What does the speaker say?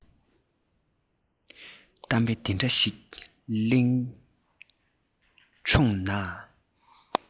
གཏམ དཔེ འདི འདྲ ཞིག གླིང སྒྲུང ན